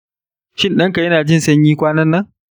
shin ɗanka ya jin sanyi kwanan nan?